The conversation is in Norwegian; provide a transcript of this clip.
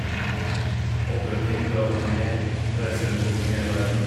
Oppleve ting, dra på turne, reise rundt omkring i hele verden.